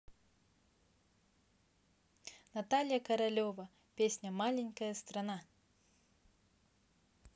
наталья королева песня маленькая страна